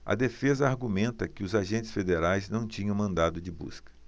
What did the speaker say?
a defesa argumenta que os agentes federais não tinham mandado de busca